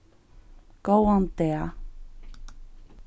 góðan dag